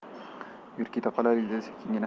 yur keta qolaylik dedi sekingina